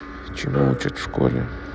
чему учат в школе